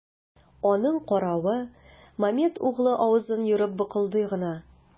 Аның каравы, Мамед углы авызын ерып быкылдый гына.